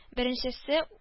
Беренчесе